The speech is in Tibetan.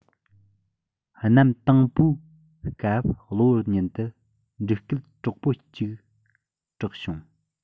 གནམ དྭངས པོའི སྐབས གློ བུར ཉིད དུ འབྲུག སྐད དྲག པོ གཅིག གྲག བྱུང